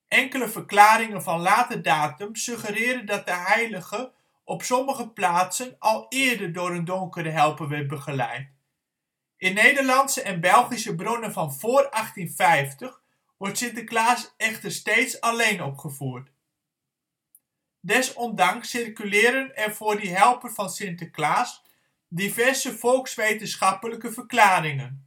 Enkele verklaringen van latere datum suggereren dat de heilige op sommige plaatsen al eerder door een donkere helper werd begeleid. In Nederlandse en Belgische bronnen van vóór 1850 wordt Sinterklaas echter steeds alleen opgevoerd. Desondanks circuleren er voor die helper van Sinterklaas diverse volkswetenschappelijke verklaringen